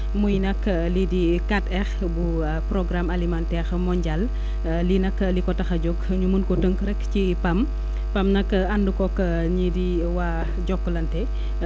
muy nag lii di 4R bu programme alimentaire mondial lii nag li ko tax a jóg ñu mun ko tënk rek ci PAM PAM nag ànd koog ñii di waa Jokalante